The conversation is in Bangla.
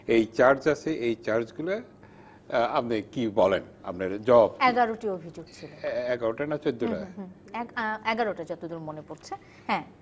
এই চার্জ আছে এই চার্জ গুলা আপনি কি বলেন আপনার জবাব কি ১১ টি অভিযোগ ছিল ১১ টা না ১৪ টা ১১ টা যতদূর মনে পড়ছে হ্যাঁ